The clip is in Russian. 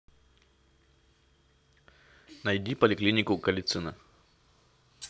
найди поликлинику калицино